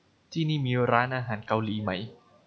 ที่นี่มีร้านอาหารเกาหลีไหม